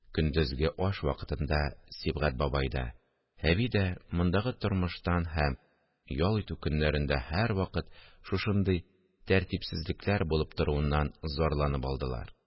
Көндезге аш вакытында Сибгать бабай да, әби дә мондагы тормыштан һәм ял итү көннәрендә һәрвакыт шушындый тәртипсезлекләр булып торуыннан зарланып алдылар